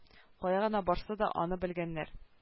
Кая гына барса да аны белгәннәр